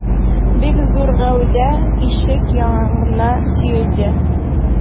Бик зур гәүдә ишек яңагына сөялде.